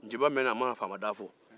nciba mɛnna a ma na faama da fo